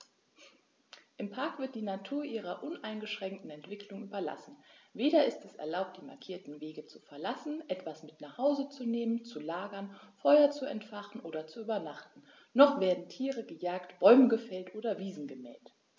Im Park wird die Natur ihrer uneingeschränkten Entwicklung überlassen; weder ist es erlaubt, die markierten Wege zu verlassen, etwas mit nach Hause zu nehmen, zu lagern, Feuer zu entfachen und zu übernachten, noch werden Tiere gejagt, Bäume gefällt oder Wiesen gemäht.